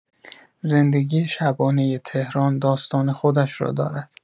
زندگی شبانۀ تهران داستان خودش را دارد.